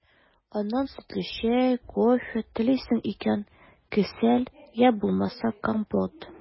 Аннан сөтле чәй, кофе, телисең икән – кесәл, йә булмаса компот.